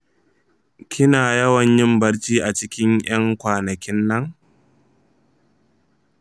kina yawwan yin barci acikin 'yan kwanakin nan?